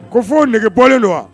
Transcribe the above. Ko fo negebɔlen don wa?